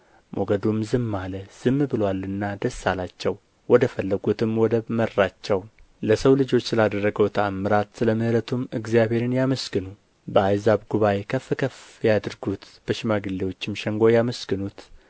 ሞገዱም ዝም አለ ዝም ብሎአልና ደስ አላቸው ወደ ፈለጉትም ወደብ መራቸው ለሰው ልጆች ስላደረገው ተአምራት ስለ ምሕረቱም እግዚአብሔርን ያመስግኑ በአሕዛብ ጉባኤ ከፍ ከፍ ያድርጉት በሽማግሌዎችም ሸንጎ ያመስግኑት